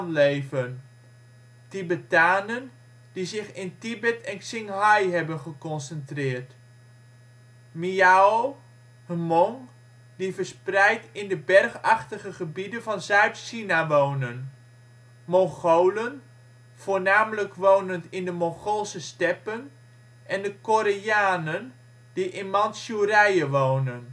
leven; Tibetanen, die zich in Tibet en Qinghai hebben geconcentreerd; Miao (Hmong), die verspreid in de bergachtige gebieden van Zuid-China wonen; Mongolen, voornamelijk wonend in de Mongoolse steppen; en de Koreanen, die in Mantsjoerije wonen